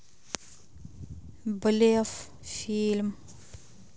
блеф фильм